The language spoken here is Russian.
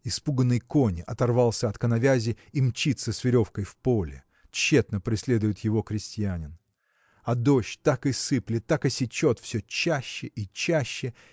Испуганный конь оторвался от коновязи и мчится с веревкой в поле тщетно преследует его крестьянин. А дождь так и сыплет так и сечет все чаще и чаще